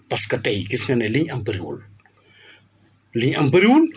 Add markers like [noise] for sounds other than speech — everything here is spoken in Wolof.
parce que tey gis nga ne liñ am bëriwul [breath] liñ am bëriwul